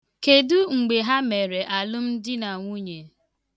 Kedụ mgbe ha mere alụmdinanwunye?